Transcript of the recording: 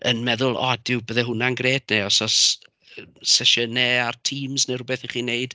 Yn meddwl, "o, Duw, byddai hwnna'n grêt" neu os oes sesiynau ar Teams neu rywbeth 'y chi'n wneud.